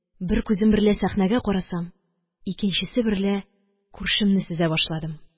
Бер күзем берлә сәхнәгә карасам, икенчесе берлә күршемне сөзә башладым.